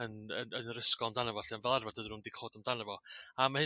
yn yn yr ysgol amdana fo 'llu ond fel arfar dydyn n'w ddim wedi cl'od amdano a ma' hyn